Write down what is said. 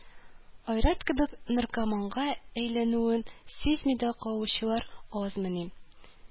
Айрат кебек наркоманга әйләнүен сизми дә калучылар азмыни